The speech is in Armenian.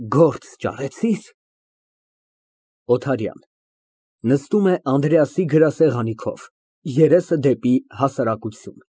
Գործ ճարեցի՞ր։ ՕԹԱՐՅԱՆ ֊ (Նստում է Անդրեասի գրասեղանի քով, երեսը դեպի հասարակություն)